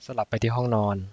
สลับไปที่ห้องนอน